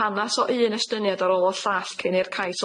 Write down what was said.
hanas o un estyniad ar ôl y llall cyn i'r cais